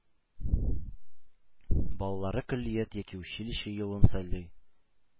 Балалары көллият яки училище юлын сайлый.